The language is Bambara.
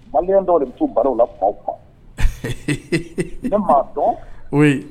Mali dɔw de bɛ to barow la fa kan ne maa dɔn